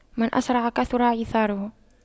من أسرع كثر عثاره